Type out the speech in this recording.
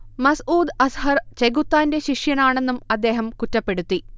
മസ്ഊദ് അസ്ഹർ ചെകുത്താന്റെ ശിഷ്യനാണെന്നും അദ്ദേഹം കുറ്റപ്പെടുത്തി